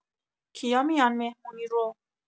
کیا میان مهمونی رو؟